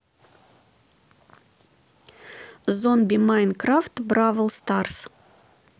зомби майнкрафт бравл старс